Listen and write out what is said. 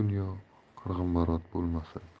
dunyo qirg'inbarot bo'lmasin